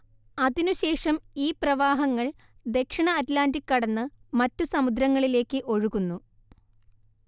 അതിനുശേഷം ഈ പ്രവാഹങ്ങൾ ദക്ഷിണ അറ്റ്‌ലാന്റിക് കടന്ന് മറ്റു സമുദ്രങ്ങളിലേക്ക് ഒഴുകുന്നു